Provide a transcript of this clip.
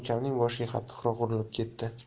ukamning boshiga qattiqroq urilib ketdi